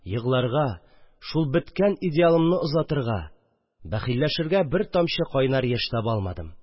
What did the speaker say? Егларга, шул беткән идеалымны озатырга, бәхилләшергә бер тамчы кайнар яшь таба алмадым